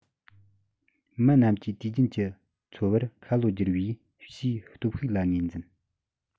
མི རྣམས ཀྱི དུས རྒྱུན གྱི འཚོ བར ཁ ལོ སྒྱུར བའི ཕྱིའི སྟོབས ཤུགས ལ ངོས འཛིན